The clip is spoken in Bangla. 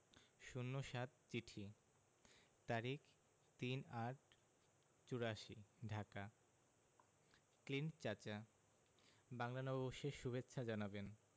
০৭ চিঠি তারিখ ৩-৮-৮৪ ঢাকা ক্লিন্ট চাচা বাংলা নববর্ষের সুভেচ্ছা জানাবেন